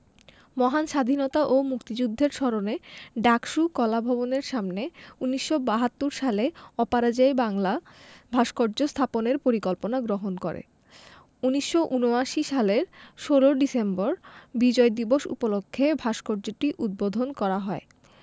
মহান স্বাধীনতা ও মুক্তিযুদ্ধের স্মরণে ডাকসু কলাভবনের সামনে ১৯৭২ সালে অপরাজেয় বাংলা ভাস্কর্য স্থাপনের পরিকল্পনা গ্রহণ করে ১৯৭৯ সালের ১৬ ডিসেম্বর বিজয় দিবস উপলক্ষে ভাস্কর্যটি উদ্বোধন করা হয়